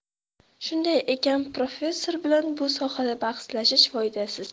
shunday ekan professor bilan bu sohada bahslashishi foydasiz